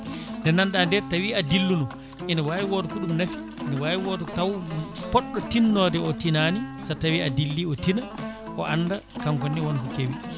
nde nanɗa nde tawi a dilluno ene wawi wooda ko ɗum naafi ene wawi wooda taw poɗɗo tinnode o tiinani so tawi a dilli o tiina o anda kankone wonko ko keewi